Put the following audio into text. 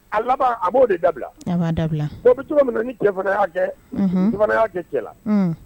A laban a b'o de dabila a b' dabila cogo min ni cɛ fanaya kɛya kɛ cɛ la